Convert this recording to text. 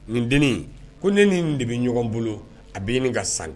Nin den ko ne ni de bɛ ɲɔgɔn bolo a bɛ ka san